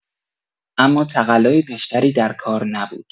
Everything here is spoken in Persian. اما تقلای بیشتری در کار نبود.